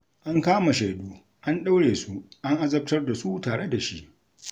An kama shaidu, an ɗaure su an azabtar da su tare da shi.